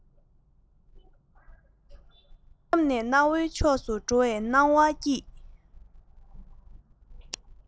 དེང རབས ནས གནའ བོའི ཕྱོགས སུ འགྲོ བའི སྣང བ སྐྱེས